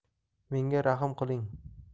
menga rahm qiling